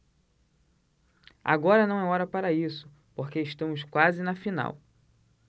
agora não é hora para isso porque estamos quase na final